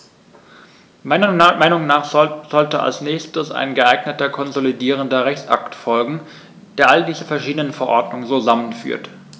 Meiner Meinung nach sollte als nächstes ein geeigneter konsolidierender Rechtsakt folgen, der all diese verschiedenen Verordnungen zusammenführt.